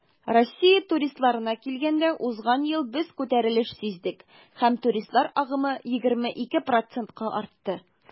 Россия туристларына килгәндә, узган ел без күтәрелеш сиздек һәм туристлар агымы 22 %-ка артты.